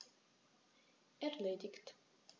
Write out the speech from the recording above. Erledigt.